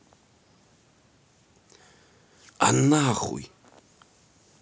а нахуй